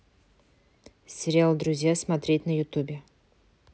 сериал друзья смотреть на ютюбе